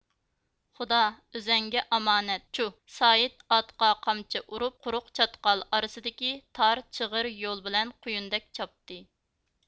خۇدا ئۆزۈڭگە ئامانەت چۇھ سايىت ئاتقا قامچا ئۇرۇپ قورۇق چاتقال ئارىسىدىكى تار چىغىر يول بىلەن قۇيۇندەك چاپتى